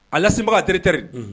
Ala sinbaga teriretɛrri